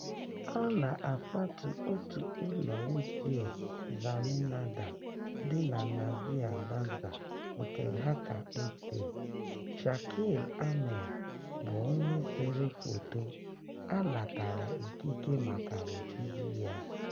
A na-akwatu otu ụlọ ochie Zaminadar dị na Nazira Bazar nke Dhaka Ochie. Shakil Ahmed bụ onye sere foto. A natara ikike maka ojiji ya.